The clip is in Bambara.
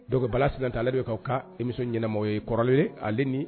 Donke balasi ta ale de bɛ k' ka emi ɲɛnaɛnɛmɔgɔ ye kɔrɔlen ye ale